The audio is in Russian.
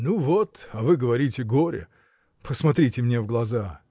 — Ну вот, а вы говорите — горе! Посмотрите мне в глаза.